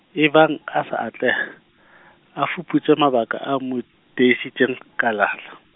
ebang a sa atleha , a fuputse mabaka a mo, teisitseng, kalala.